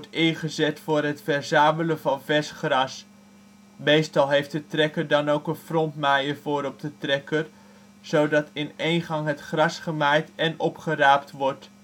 ingezet voor het verzamelen van vers gras. Meestal heeft de trekker dan ook een front-maaier voorop de trekker, zodat in 1 gang het gras gemaait en opgeraapt wordt